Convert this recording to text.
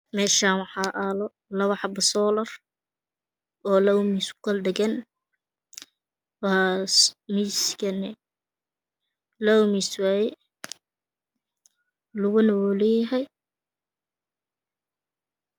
Meeshan waxaa aalo laba xabo soolar oo laba miis kukala dhagan laba miis weye lugana wuu leeyahay